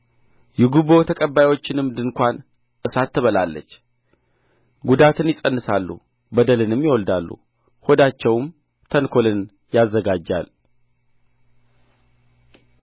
የጉቦ ተቀባዮችንም ድንኳን እሳት ትበላለች ጉዳትን ይፀንሳሉ በደልንም ይወልዳሉ ሆዳቸውም ተንኰልን ያዘጋጃል